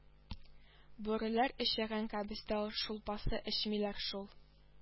Бүреләр әчегән кәбестә шулпасы эчмиләр шул